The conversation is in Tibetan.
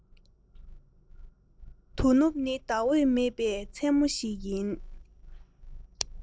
དོ ནུབ ནི ཟླ འོད མེད པའི མཚན མོ ཞིག ཡིན